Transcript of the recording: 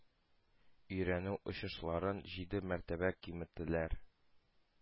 Өйрәнү очышларын җиде мәртәбә киметәләр,